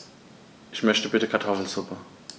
Ich möchte bitte Kartoffelsuppe.